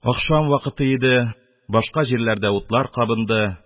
Ахшам вакыты иде, башка җирләрдә утлар кабынды,